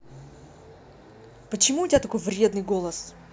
почему у тебя такой вредный голос